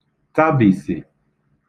tabìsị̀